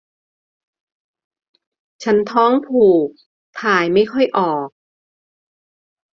ฉันท้องผูกถ่ายไม่ค่อยออก